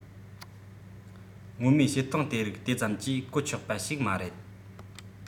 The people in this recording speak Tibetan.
སྔོན མའི བྱེད སྟངས དེ རིགས དེ ཙམ གྱིས གོ ཆོད པ ཞིག མ རེད